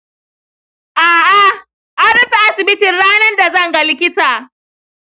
aa, anrufe asibitin ranan dazanga likita.